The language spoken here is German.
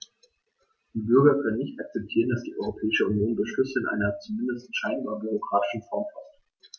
Die Bürger können nicht akzeptieren, dass die Europäische Union Beschlüsse in einer, zumindest scheinbar, bürokratischen Form faßt.